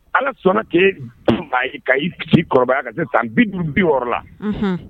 Ala sɔnna kɛ ye ka i kɔrɔbaya ka san bi dun bi yɔrɔ la